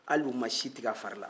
hali u m'a si tigɛ a fari la